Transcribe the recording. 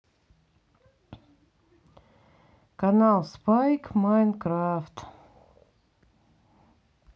канал спайк майнкрафт